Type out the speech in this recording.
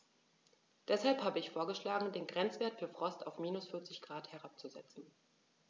Deshalb habe ich vorgeschlagen, den Grenzwert für Frost auf -40 ºC herabzusetzen.